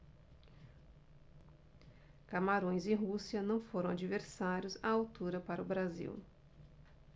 camarões e rússia não foram adversários à altura para o brasil